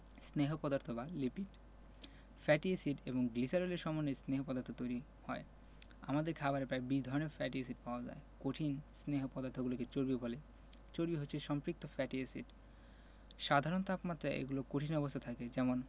স্নেহ পদার্থ বা লিপিড ফ্যাটি এসিড এবং গ্লিসারলের সমন্বয়ে স্নেহ পদার্থ তৈরি হয় আমাদের খাবারে প্রায় ২০ ধরনের ফ্যাটি এসিড পাওয়া যায় কঠিন স্নেহ পদার্থগুলোকে চর্বি বলে চর্বি হচ্ছে সম্পৃক্ত ফ্যাটি এসিড সাধারণ তাপমাত্রায় এগুলো কঠিন অবস্থায় থাকে যেমন